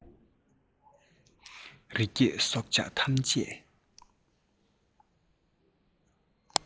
རི སྐྱེས སྲོག ཆགས ཐམས ཅད